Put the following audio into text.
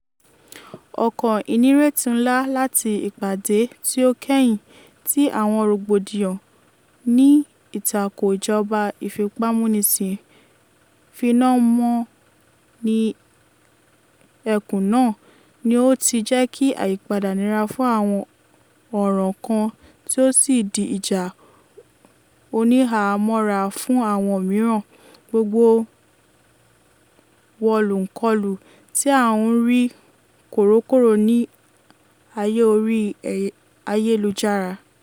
Ọkàn ìnírètí ńlá láti ìpàdé tí ó kẹ́yìn, tí àwọn rògbòdìyàn ní ìtakò ìjọba ìfipámúnisìn fíná mọ́ ní ẹkùn náà, ni ó ti jẹ́ kí àyípadà nira fún àwọn ọ̀ràn kan tí ó sì di ìjà oníhàámọ́ra fún àwọn mìíràn, gbogbo wọ́lù-ǹ-kọlù tí à ń rí kòrókòró ní ayé orí ayélujára.